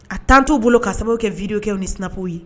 A temps t'u bolo k'a sababu kɛ vidéo kɛw ni snap w ye